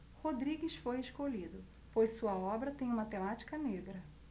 rodrigues foi escolhido pois sua obra tem uma temática negra